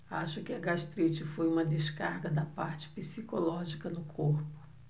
acho que a gastrite foi uma descarga da parte psicológica no corpo